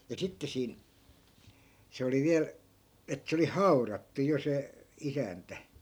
ja sitten siinä se oli vielä että se oli haudattu jo se isäntä